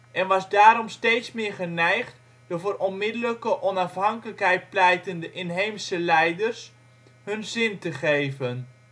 en was daarom steeds meer geneigd de voor onmiddellijke onafhankelijkheid pleitende inheemse leiders hun zin te geven (" le pari congolais "). In januari